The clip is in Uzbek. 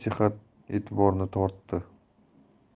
jihat e'tiborni tortdi